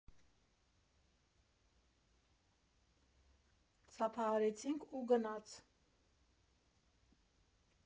Ծափահարեցինք, ու գնաց։